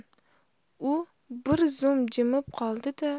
u bir zum jimib qoldi da